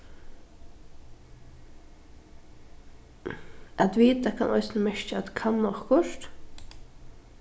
at vita kann eisini merkja at kanna okkurt